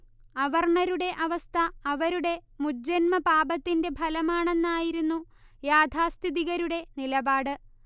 അവർണ്ണരുടെ അവസ്ഥ അവരുടെ മുജ്ജന്മപാപത്തിന്റെ ഫലമാണെന്നായിരുന്നു യാഥാസ്ഥിതികരുടെ നിലപാട്